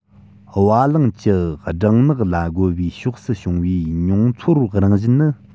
བ གླང གྱི སྦྲང ནག ལ རྒོལ བའི ཕྱོགས སུ བྱུང བའི མྱོང ཚོར རང བཞིན ནི